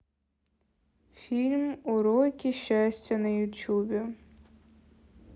фильм уроки счастья на ютубе